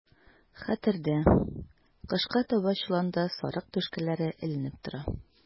Хәтердә, кышка таба чоланда сарык түшкәләре эленеп тора.